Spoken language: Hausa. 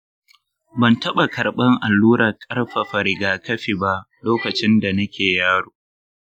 ban taba karɓar alluran ƙarfafa rigakafi ba lokacin da nake yaro.